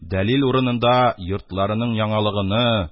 Дәлил урынында йортларының яңалыгыны